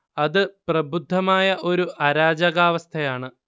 അത് പ്രബുദ്ധമായ ഒരു അരാജകാവസ്ഥയാണ്